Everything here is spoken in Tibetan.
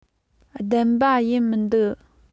བདེན པ ཡིན གྱི མ རེད